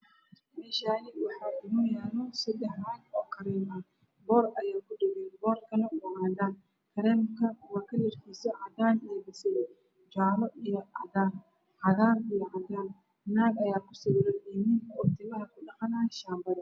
Meeshaani waxaa inoo yaalo sadex caag oo Kareem ah boor ayaa ku jiro waaana cadaan kalarkisa cadaan iyo basali jaalo iyo cadaan cagaar iyo cadaan naag ayaa ku sawiran iyo nin timaha ku dhaqnayo shaanbo